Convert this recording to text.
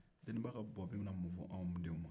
deniba ka buwɔ bɛ na mun fɔ anw denw ma